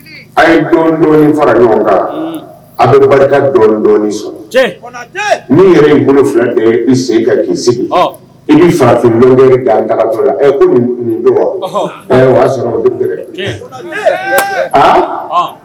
A ye dɔ fara ɲɔgɔn kan an barika ka dɔ sɔrɔ ni yɛrɛ bolo filɛ i sen ka k'i sigi i bɛ farafin dan la o'a sɔrɔ don a